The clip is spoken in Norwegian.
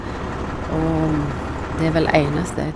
Og det er vel eneste.